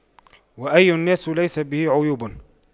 وأي الناس ليس به عيوب